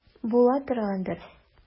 Була торгандыр.